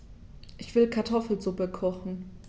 Ich will Kartoffelsuppe kochen.